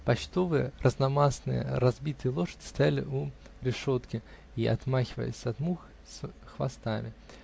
Почтовые, разномастные, разбитые лошади стояли у решетки и отмахивались от мух хвостами.